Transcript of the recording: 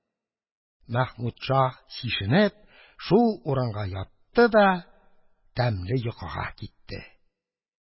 Мәхмүд шаһ, чишенеп, шул урынга ятты да тәмле йокыга китт